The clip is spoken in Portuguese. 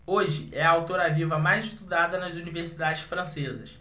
hoje é a autora viva mais estudada nas universidades francesas